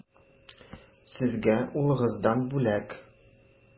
Сезгә улыгыздан бүләк.